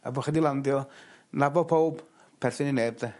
a bo' chi 'di landio nabo powb perthyn i neb 'de?